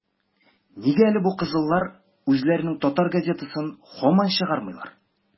- нигә әле бу кызыллар үзләренең татар газетасын һаман чыгармыйлар?